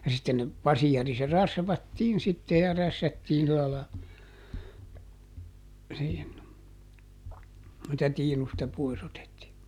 ja sitten ne paseri se rasvattiin sitten ja rässättiin sillä lailla siinä siitä tiinusta pois otettiin